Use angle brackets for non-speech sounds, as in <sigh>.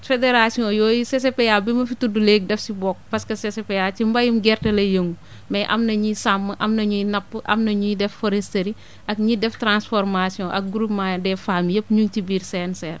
fédération yooyu CCPA bi ma fi tudd léegi daf si bokk parce que CCPA ci mbéyum gerte lay yëngu <breath> mais am na ñuy sàmm am na ñuy napp am na ñuy def foresterie <breath> ak ñiy def transformation ak goupement des femmes yëpp ñu ngi ci biir CNCR